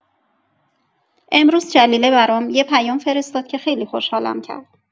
امروز جلیله برام یه پیام فرستاد که خیلی خوشحالم کرد.